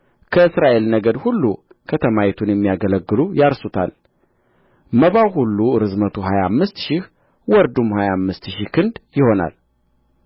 ከእስራኤል ነገድ ሁሉ ከተማይቱን የሚያገለግሉ ያርሱታል መባው ሁሉ ርዝመቱ ሀያ አምስት ሺህ ወርዱም ሀያ አምስት ሺህ ክንድ ይሆናል